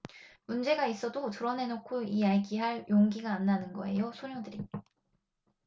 문제가 있어도 드러내놓고 얘기할 용기가 안 나는 거예요 소녀들이